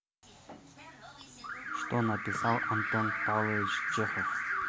что написал антон павлович чехов